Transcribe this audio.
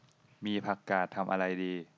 มีผักกาดทำอะไรดี